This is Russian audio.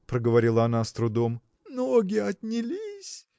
– проговорила она с трудом, – ноги отнялись.